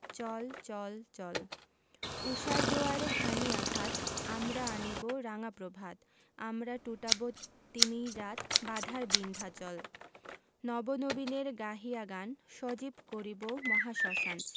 চল চল চল ঊষার দুয়ারে হানি' আঘাত আমরা আনিব রাঙা প্রভাত আমরা টুটাব তিমির রাত বাধার বিন্ধ্যাচল নব নবীনের গাহিয়া গান সজীব করিব মহাশ্মশান